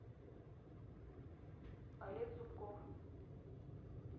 олег зубков